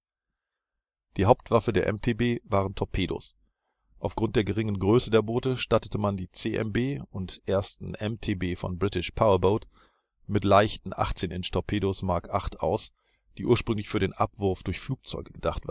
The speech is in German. Die Hauptwaffe der MTB waren Torpedos. Aufgrund der geringen Größe der Boote stattete man die CMB und ersten MTB von BPB mit leichten 18 Inch Torpedos Mark VIII aus, die ursprünglich für den Abwurf durch Flugzeuge gedacht